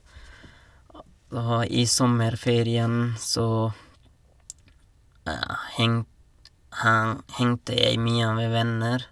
Og i sommerferien så heng hang hengte jeg mye med venner.